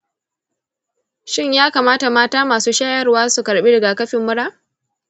shin ya kamata mata masu shayarwa su karɓi riga-kafin mura?